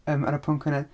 Yym ar y pwnc yna.